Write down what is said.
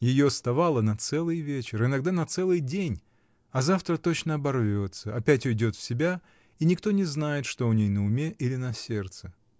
Ее ставало на целый вечер, иногда на целый день, а завтра точно оборвется: опять уйдет в себя — и никто не знает, что у ней на уме или на сердце.